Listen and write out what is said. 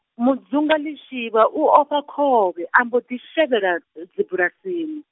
Mudzunga Lishivha u ofho khovhe a mbo ḓi shavhela, dzibulasi.